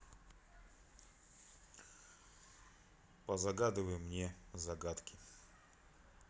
позагадывай мне загадки